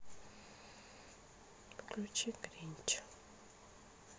включи гринча